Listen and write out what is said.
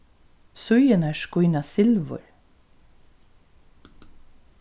síðurnar skína silvur